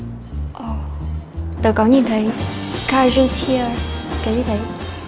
ồ tớ có nhìn thấy sờ cai dây thia tớ nhìn thấy